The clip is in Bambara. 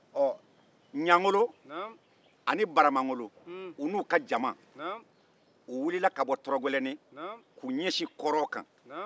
ɲangolo ani baramangolo u n'u ka jama u wulila ka bɔ tɔrɔgɛlɛnin k'u ɲɛsin kɔrɔn kan